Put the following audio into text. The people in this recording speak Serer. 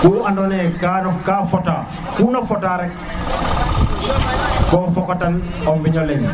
ku ando na ye ka ref ka fota kuna fota rek ko foka tan o ɓiño leng